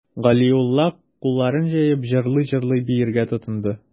Галиулла, кулларын җәеп, җырлый-җырлый биергә тотынды.